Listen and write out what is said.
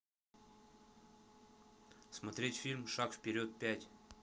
смотреть фильм шаг вперед пять